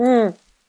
Hmm